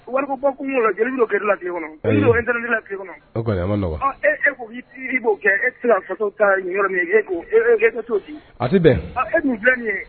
Wari bɔ jeliw'o kɛ la tile kɔnɔ kɔnɔ e e ko' b'o kɛ e se faso ta e bɛn e filɛ nin